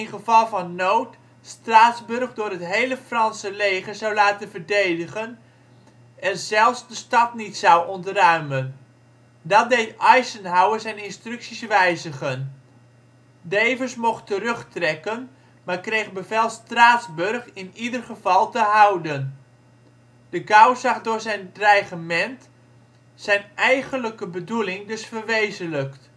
geval van nood Straatsburg door het hele Franse leger zou laten verdedigen en zelfs de stad niet zou ontruimen. Dat deed Eisenhower zijn instructies wijzigen. Devers mocht terugtrekken, maar kreeg bevel Straatsburg in ieder geval te houden. De Gaulle zag door zijn ‘dreigement’ zijn eigenlijke bedoeling dus verwezenlijkt